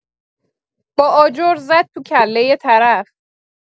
با آجر زد تو کله طرف!